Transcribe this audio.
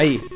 ayi